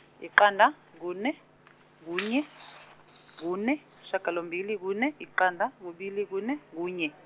yiqanda, kune, kunye, kune, shagalombini kune, yiqanda, kubili kune , kunye.